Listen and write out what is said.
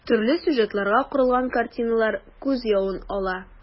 Төрле сюжетларга корылган картиналар күз явын ала.